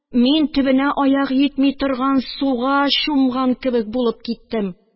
Мин төбенә аяк йитми торган суга чумган кебек булып киттем